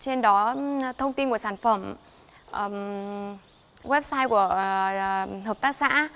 trên đó ơm thông tin của sản phẩm ờm goép sai của ờ hợp tác xã